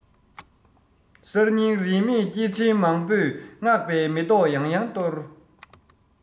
གསར རྙིང རིས མེད སྐྱེས ཆེན མང པོས བསྔགས པའི མེ ཏོག ཡང ཡང གཏོར